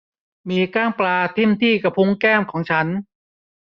มีก้างปลาทิ่มที่กระพุ้งแก้มของฉัน